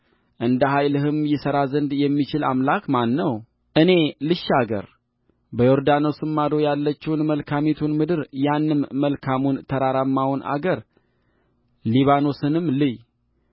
እንደ ኃይልህም ይሠራ ዘንድ የሚችል አምላክ ማን ነው እኔ ልሻገር በዮርዳኖስም ማዶ ያለችውን መልካሚቱን ምድር ያንም መልካሙን ተራራማውን አገር ሊባኖስንም ልይ